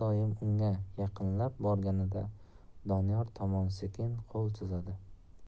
borganida doniyor tomon sekin qo'l cho'zadi